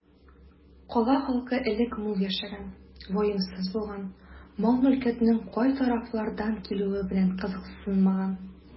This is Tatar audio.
Кала халкы элек мул яшәгән, ваемсыз булган, мал-мөлкәтнең кай тарафлардан килүе белән кызыксынмаган.